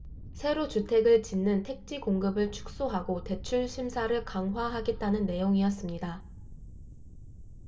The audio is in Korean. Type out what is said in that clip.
새로 주택을 짓는 택지공급을 축소하고 대출 심사를 강화하겠다는 내용이었습니다